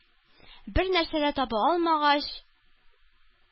Бер нәрсә дә таба алмагач: